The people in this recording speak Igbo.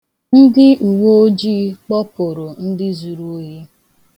Ndi uweojii kpọpuru ndị zuru ohi.